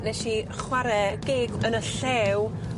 nesh i chware gig yn y Llew